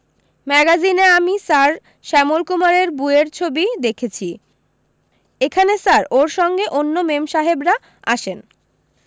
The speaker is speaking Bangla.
ম্যাগাজিনে আমি স্যার শ্যামলকুমারের বুয়ের ছবি দেখেছি এখানে স্যার ওর সঙ্গে অন্য মেমসাহেবরা আসেন